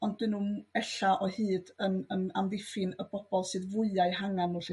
ond 'dyn n'w'm ella o hyd yn yn amddiffyn y bobol sydd fwya' eu hangan n'w 'llu de